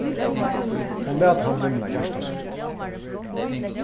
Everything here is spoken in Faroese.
hon læt hann vinna hjarta sítt